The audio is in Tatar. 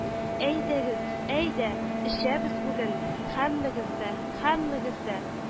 — әйдәгез, әйдә! эчәбез бүген! һәммәгез дә, һәммәгез дә